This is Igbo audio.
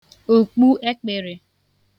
òkpuekpịrị